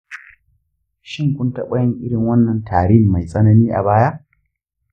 shin kun taɓa yin irin wannan tarin mai tsanani a baya?